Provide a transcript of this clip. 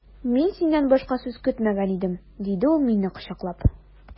Мин синнән башка сүз көтмәгән идем, диде ул мине кочаклап.